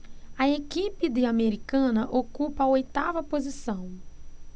a equipe de americana ocupa a oitava posição